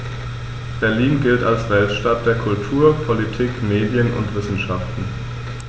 Berlin gilt als Weltstadt[9] der Kultur, Politik, Medien und Wissenschaften.